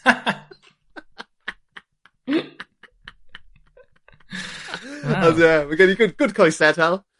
Waw. Ond ie mae gen i good good coese t'wel'?